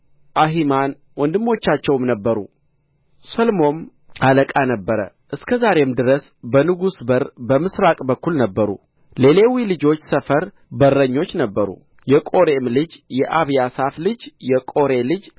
አሒማን ወንድሞቻቸውም ነበሩ ሰሎምም አለቃ ነበረ እስከ ዛሬም ድረስ በንጉሥ በር በምሥራቅ በኩል ነበሩ ለሌዊ ልጆች ሰፈር በረኞች ነበሩ የቆሬም ልጅ የአብያሳፍ ልጅ የቆሬ ልጅ